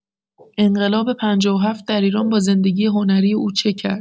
انقلاب ۵۷ در ایران با زندگی هنری او چه کرد؟